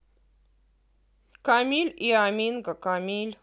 камиль и аминка камиль